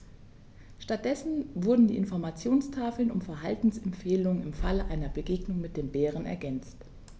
Stattdessen wurden die Informationstafeln um Verhaltensempfehlungen im Falle einer Begegnung mit dem Bären ergänzt.